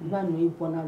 N ka n' iɔn